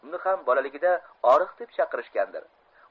uni ham bolaligida oriq deb chaqirishgandir